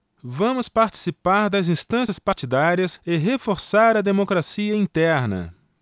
vamos participar das instâncias partidárias e reforçar a democracia interna